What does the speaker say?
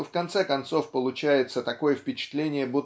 что в конце концов получается такое впечатление